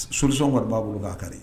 Soution kɔni b'a bolo ka a kari